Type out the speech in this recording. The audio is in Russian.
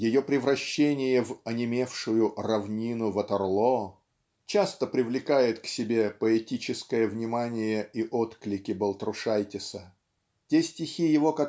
ее превращение в онемевшую "равнину Ватерло" часто привлекает к себе поэтическое внимание и отклики Балтрушайтиса. Те стихи его